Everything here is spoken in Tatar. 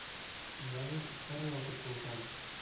Ягр һәрвакыт булган.